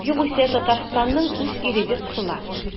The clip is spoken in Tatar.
Югыйсә Татарстанның үз иреге кысыла.